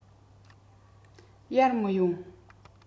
ཡར མི ཡོང